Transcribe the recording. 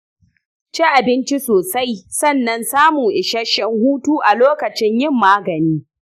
ci abinci sosai sannan samu isasshen hutu a lokaci yin magani.